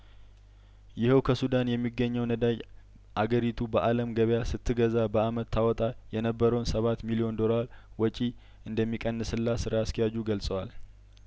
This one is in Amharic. ይኸው ከሱዳን የሚገኘው ነዳጅ አገሪቱ በአለም ገበያስት ገዛ በአመት ታወጣ የነበረውን ሰባት ሚሊዮን ዶላር ወጪ እንደሚቀንስላት ስራ አስኪያጁ ገልጸዋል